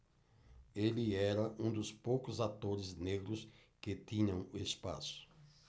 ele era um dos poucos atores negros que tinham espaço